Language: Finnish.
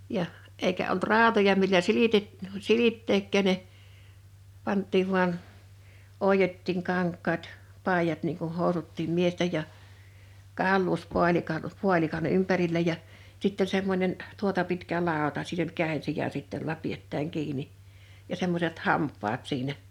ja eikä ollut rautoja millä - silittääkään ne pantiin vain oiottiin kankaat paidat niin kuin housutkin miesten ja - kaulauspaalikan ympärillä ja sitten oli semmoinen tuota pitkä lauta siinä oli kädensija sitten jolla pidetään kiinni ja semmoiset hampaat siinä